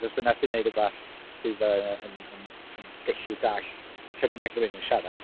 Achos dyna sy'n wneud wbath sydd yy yn yn yn gallu dallt lle bynnag ma' rywun yn siarad.